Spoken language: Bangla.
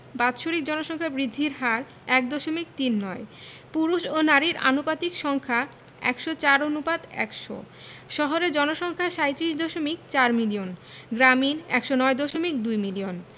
বাৎসরিক জনসংখ্যা বৃদ্ধির হার ১দশমিক তিন নয় পুরুষ ও নারীর আনুপাতিক সংখ্যা ১০৪ অনুপাত ১০০ শহুরে জনসংখ্যা ৩৭দশমিক ৪ মিলিয়ন গ্রামীণ ১০৯দশমিক ২ মিলিয়ন